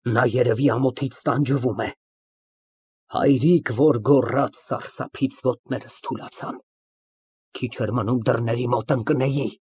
Նա երևի, ամոթից տանջվում է։ «Հայրիկ», որ գոռաց սարսափից ոտներս թուլացան, քիչ էր մնում դռների մոտ ընկնեի։